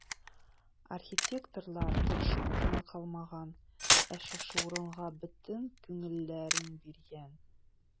Архитекторлар тырышып кына калмаган, ә шушы урынга бөтен күңелләрен биргән.